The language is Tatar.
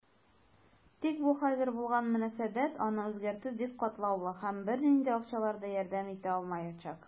Тик бу хәзер булган мөнәсәбәт, аны үзгәртү бик катлаулы, һәм бернинди акчалар да ярдәм итә алмаячак.